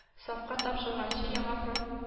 Сафка тапшырганчы яңа проб